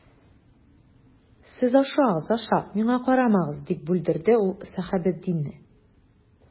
Сез ашагыз, аша, миңа карамагыз,— дип бүлдерде ул Сәхәбетдинне.